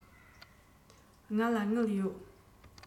ང ལ དངུལ ཡོད